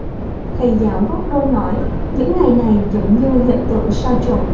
thầy giáo gordon nói những ngày này giống như hiện tượng sao chổi